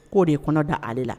K'o de ye kɔnɔ da ale la.